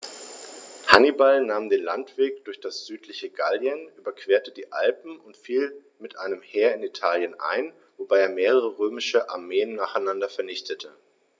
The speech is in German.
Hannibal nahm den Landweg durch das südliche Gallien, überquerte die Alpen und fiel mit einem Heer in Italien ein, wobei er mehrere römische Armeen nacheinander vernichtete.